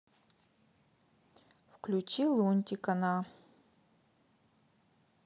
включи лунтика на